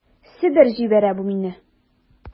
Себер җибәрә бу мине...